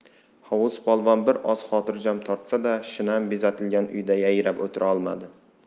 hovuz polvon bir oz xotirjam tortsa da shinam bezatilgan uyda yayrab o'tirolmadi